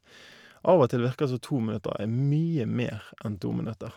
Av og til virker det som to minutter er mye mer enn to minutter.